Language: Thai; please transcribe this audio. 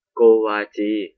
โกวาจี